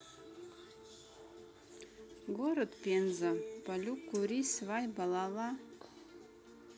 город пенза палю кури свадьба лала